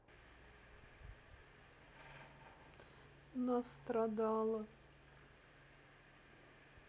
у нас страдала